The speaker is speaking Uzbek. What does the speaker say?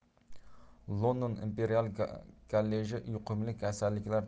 london imperial kolleji yuqumli kasalliklar